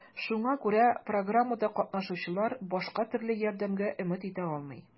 Шуңа күрә программада катнашучылар башка төрле ярдәмгә өмет итә алмый.